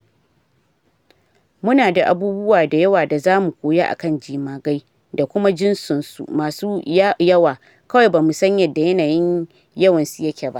Ta ce: “Mu na da abubuwa da yawa da zamu koya akan jemagai da kuma jinsunan su masu yawa kawai bamu san yadda yanayin yawan su yake ba.”